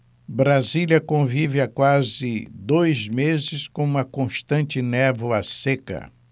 brasília convive há quase dois meses com uma constante névoa seca